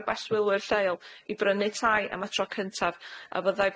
o beswylwyr lleol i brynu tai am y tro cyntaf a fyddai